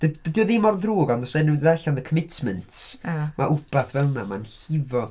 D- dydi o ddim mor ddrwg ond os 'na unrhyw un wedi darllen The Commitments... O ie. ...Mae rywbeth fel yna, mae o'n llifo.